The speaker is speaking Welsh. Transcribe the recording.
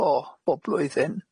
fo bob blwyddyn?